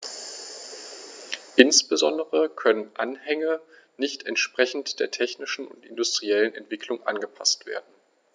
Insbesondere können Anhänge nicht entsprechend der technischen und industriellen Entwicklung angepaßt werden.